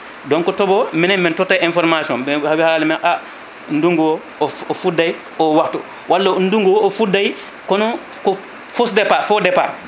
donc tooɓo minen min totay information ɓe a haalime a ndungu o o fudɗay o waktu walla ndungu o o fudɗay kono fausse départ faux départ